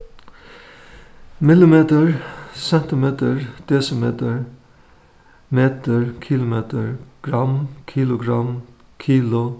millimetur sentimetur desimetur metur kilometur gramm kilogramm kilo